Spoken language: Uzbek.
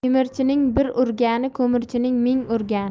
temirchining bir urgani ko'mirchining ming urgani